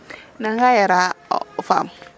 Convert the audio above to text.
nanga yara o faam ?